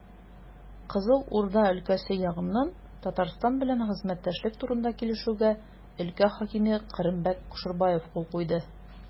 Кызыл Урда өлкәсе ягыннан Татарстан белән хезмәттәшлек турында килешүгә өлкә хакиме Кырымбәк Кушербаев кул куйды.